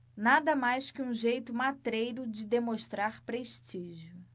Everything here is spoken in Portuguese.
nada mais que um jeito matreiro de demonstrar prestígio